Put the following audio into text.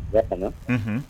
Bɛ a unhun